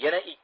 yana ikki